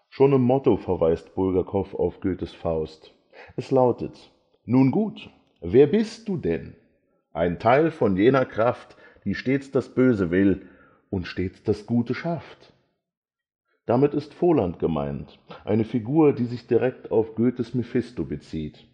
Schon im Motto verweist Bulgakow auf Goethes Faust. Es lautet: „ Nun gut, wer bist du denn? - Ein Teil von jener Kraft, die stets das Böse will und stets das Gute schafft. “Damit ist Voland gemeint, eine Figur, die sich direkt auf Goethes Mephisto bezieht